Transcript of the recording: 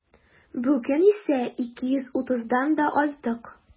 Бүген исә 230-дан да артык.